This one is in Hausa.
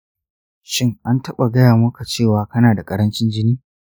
shin, an taɓa gaya maka cewa kana da ƙarancin jini?